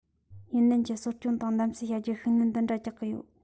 ཡོན ཏན ཅན གསོ སྐྱོང དང གདམ གསེས བྱ རྒྱུར ཤུགས སྣོན འདི འདྲ རྒྱག གི ཡོད